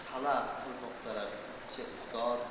talab qilmoqdalar siz chi ustod